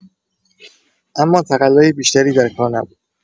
اما تقلای بیشتری در کار نبود.